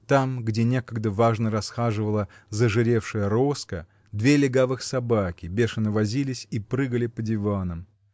там, где некогда важно расхаживала зажиревшая Роска, две легавых собаки бешено возились и прыгали по диванам